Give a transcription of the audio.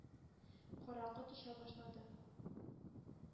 Караңгы төшә башлады